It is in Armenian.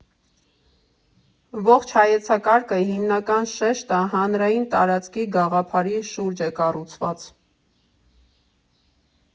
Ողջ հայեցակարգը հիմնական շեշտը հանրային տարածքի գաղափարի շուրջ է կառուցված։